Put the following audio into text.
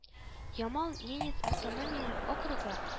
Ямал-Ненец автономияле округы